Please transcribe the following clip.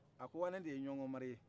a ko wa ne de ye ɲɔngɔn mari ye